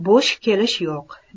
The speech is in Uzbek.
bo'sh kelish yo'q